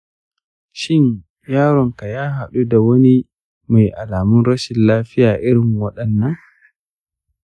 shin yaronka ya haɗu da wani mai alamun rashin lafiya irin waɗannan?